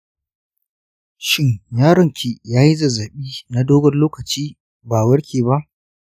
shin yaron ki yayi zazzaɓi na dogon lokaci ba warke ba?